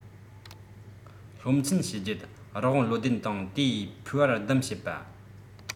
སློབ ཚན ཞེ བརྒྱད རི བོང བློ ལྡན དང དེ ཕོས བར སྡུམ བྱེད པ